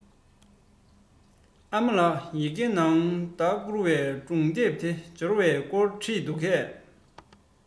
ཨ མ ལགས ཡི གེ ནང ཟླ བསྐུར བའི སྒྲུང དེབ དེ འབྱོར བའི སྐོར བྲིས འདུག གས